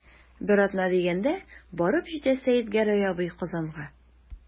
Бер атна дигәндә барып җитә Сәетгәрәй абый Казанга.